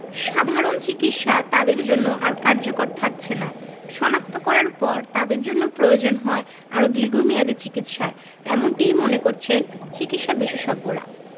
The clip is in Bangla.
সাধারণ চিকিৎসা তাদের জন্য আর কার্যকর থাকছেনা শনাক্ত করার পর তাদের জন্য প্রয়োজন হয় আরও দীর্ঘমেয়াদি চিকিৎসার এমনটিই মনে করছেন চিকিৎসাবিশেষজ্ঞরা